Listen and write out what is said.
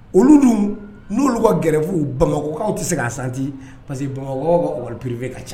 Olu dun n'olu ka gɛrɛbugu bamakɔkaw tɛ se asanti parce que bamakɔ ka waripurfe ka ca